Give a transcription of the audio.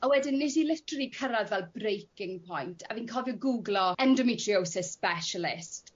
A wedyn nes i literally cyrradd fel braking point a fi'n cofio gwglo endometriosis specialist